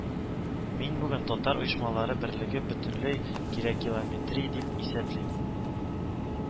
Мин бүген татар оешмалары берлеге бөтенләй кирәкилометри дип исәплим